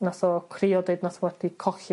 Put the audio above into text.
Nath o crio a deud nath o wedi colli...